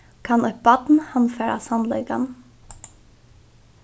kann eitt barn handfara sannleikan